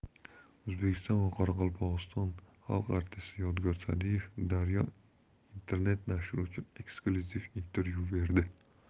o'zbekiston va qoraqalpog'iston xalq artisti yodgor sa'diyev daryo internet nashri uchun eksklyuziv intervyu berdi